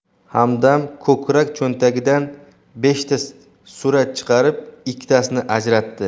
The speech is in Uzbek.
hamdam ko'krak cho'ntagidan beshta surat chiqarib ikkitasini ajratdi